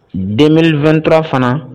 Den2ttura fana